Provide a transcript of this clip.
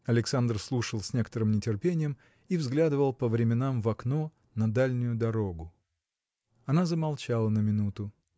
Александр слушал с некоторым нетерпением и взглядывал по временам в окно на дальнюю дорогу. Она замолчала на минуту.